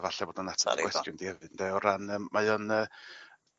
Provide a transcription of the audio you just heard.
...falle bod o'n ateb dy gwestiwn di o ran yym mae o'n yy ...